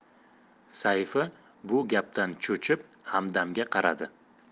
sayfi bu gapdan cho'chib hamdamga qaradi